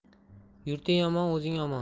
yurting omon o'zing omon